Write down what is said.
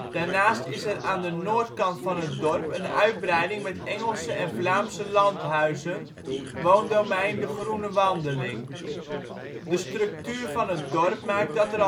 Daarnaast is er aan de noordkant van het dorp een uitbreiding met Engelse en Vlaamse landhuizen (woondomein " De Groene Wandeling "). De structuur van het dorp maakt dat